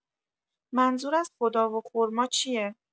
منظور از خدا و خرما چیه؟